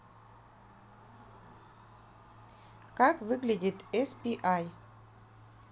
как выглядит spi